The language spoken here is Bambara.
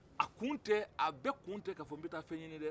a kun tɛ a bɛɛ kun tɛ k'a fɔ bɛ ta fɛn ɲini dɛ